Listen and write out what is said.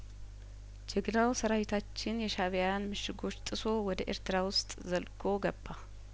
ጀግናው ሰራዊታችን የሻእብያን ምሽጐች ጥሶ ወደ ኤርትራ ውስጥ ዘልቆ ገባ